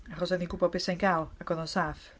Achos o'dd hi'n gwbod be 'sai hi'n gael, ac o'dd o'n saff.